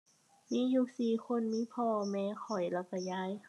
มีอยู่สี่คน มีพ่อ แม่ ข้อย แล้วก็ยาย